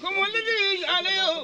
Kolitigi ale ye